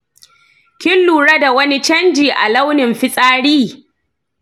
kin lura da wani canji a launin fitsari?